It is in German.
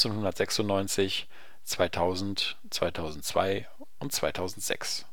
1996, 2000, 2002, 2006